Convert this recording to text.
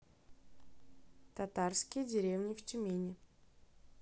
татарские деревни в тюмени